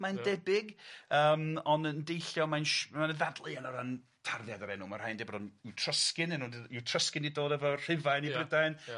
Mmae'n debyg yym ond yn deillio mae'n sh- ma' 'na dadleuon o ran tarddiad yr enw ma' rhai'n deud bod o'n w- Trysgyn enw di- i'w Trysgyn di dod efo Rhufain i Brydain. Ia ia.